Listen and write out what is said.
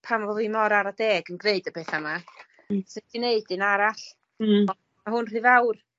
pam o' fi mor ara deg yn gneud y petha 'ma. Sy 'di neud un aral. Hmm. Ma' hwn rhy fawr.